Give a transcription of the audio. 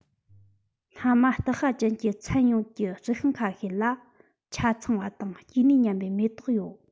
སྣ མ སྟག ཤ ཅན གྱི ཚན ཡོངས ཀྱི རྩི ཤིང ཁ ཤས ལ ཆ ཚང བ དང སྐྱེ ནུས ཉམས པའི མེ ཏོག ཡོད